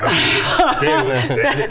, det.